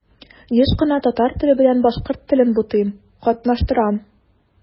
Еш кына татар теле белән башкорт телен бутыйм, катнаштырам.